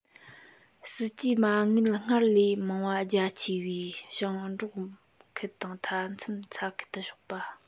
སྲིད ཇུས མ དངུལ སྔར ལས མང བ རྒྱ ཆེའི ཞིང འབྲོག ཁུལ དང མཐའ མཚམས ས ཁུལ དུ ཕྱོགས པ